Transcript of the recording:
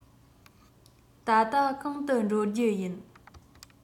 ད ལྟ གང དུ འགྲོ རྒྱུ ཡིན